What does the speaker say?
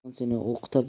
zamon seni o'qitar